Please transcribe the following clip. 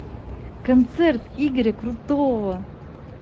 концерт игоря крутого